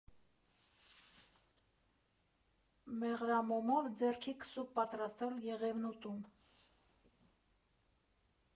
Մեղրամոմով ձեռքի քսուկ պատրաստել Եղևնուտում։